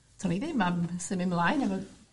do'n i ddim am symu mlaen efo